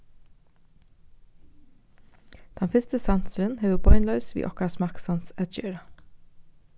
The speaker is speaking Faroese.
tann fyrsti sansurin hevur beinleiðis við okkara smakksans at gera